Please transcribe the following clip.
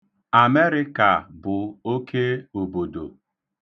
Amerịka bụ oke obodo.